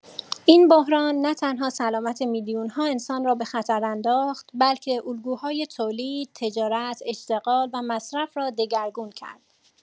این بحران نه‌تنها سلامت میلیون‌ها انسان را به خطر انداخت، بلکه الگوهای تولید، تجارت، اشتغال و مصرف را دگرگون کرد.